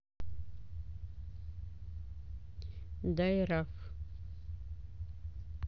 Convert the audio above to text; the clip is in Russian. дай раф